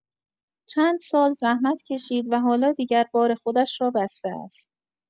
چند سال زحمت کشید و حالا دیگر بار خودش را بسته است.